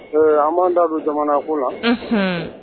An b'an da don jamana ko la